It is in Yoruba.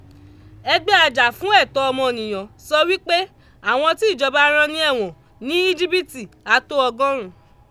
Ẹgbẹ́ ajàfún ẹ̀tọ́ ọmọnìyàn sọ wí pé, àwọn tí ìjọba rán ní ẹ̀wọ̀n ní Íjípìtì á tó ọgọ́rùn ún